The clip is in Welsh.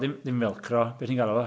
Ddim felcro, be ti'n galw fo?